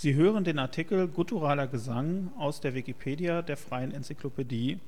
hören den Artikel Gutturaler Gesang, aus Wikipedia, der freien Enzyklopädie